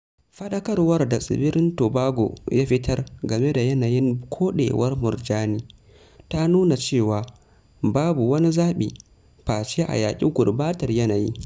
Faɗakarwar da tsibirin Tobago ya fitar game da yanayin koɗewar murjani ta nuna cewa 'babu wani zaɓi' face a yaƙi gurɓatar yanayi.